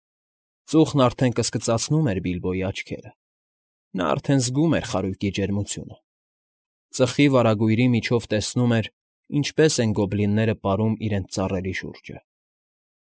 Ծուխն արդեն կսկծացնում էր Բիլբոյի աչքերը, նա արդեն զգում էր խարույկի ջերմությունը, ծխի վարագույրի միջից տեսնում էր, ինչպես են գոբլինները պարում իրենց ծառերի շուրջը։